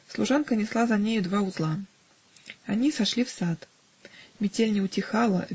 Служанка несла за нею два узла. Они сошли в сад. Метель не утихала